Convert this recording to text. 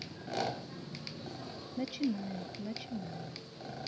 начинаем начинаем